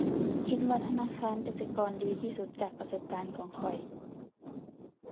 คิดว่าธนาคารกสิกรดีที่สุดจากประสบการณ์ของข้อย